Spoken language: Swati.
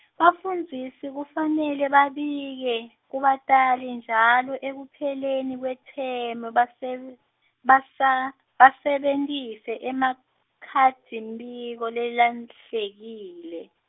bafundzisi kufanele babike, kubatali njalo ekupheleni kwethemu basem- basa- basebentise emakhadimbiko, lalahlekile.